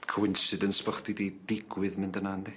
Coincidence bo' chdi 'di digwydd mynd yna yndi?